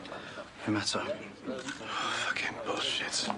Ddim eto. Oh, ffycin bullshit.